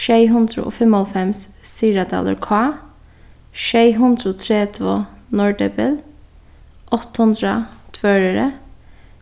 sjey hundrað og fimmoghálvfems syðradalur k sjey hundrað og tretivu norðdepil átta hundrað tvøroyri